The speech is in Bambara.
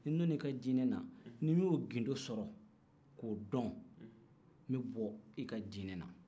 ni n donna i ka dinɛna ni n y'o gindo sɔrɔ k'o dɔn n bɛ b'i ka dinɛna